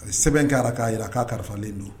A ye sɛbɛn k'a ra k'a jira k'a kalifalen don